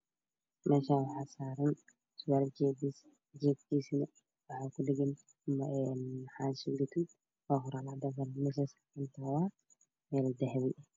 Meeshaan waxaa saaran surwaal jeemis jeebkiisa waxaa ku ku dhagan xaashi gaduud